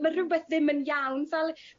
ma' rywbeth ddim yn iawn fel